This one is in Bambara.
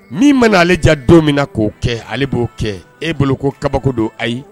Min mana aleja don min na k'o kɛ ale b'o kɛ e boloko ko kabako don ayi